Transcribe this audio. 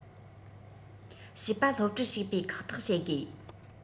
བྱིས པ སློབ གྲྭར ཞུགས པའི ཁག ཐེག བྱེད དགོས